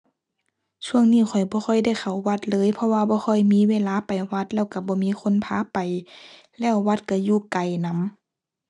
ช่วงนี้ข้อยบ่ค่อยได้เข้าวัดเลย เพราะว่าบ่ค่อยมีเวลาไปวัด แล้วก็บ่มีคนพาไป แล้ววัดก็อยู่ไกลนำ